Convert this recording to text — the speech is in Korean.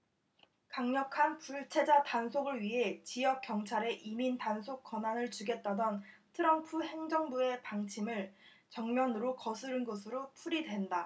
강력한 불체자 단속을 위해 지역 경찰에 이민 단속 권한을 주겠다던 트럼프 행정부의 방침을 정면으로 거스른 것으로 풀이된다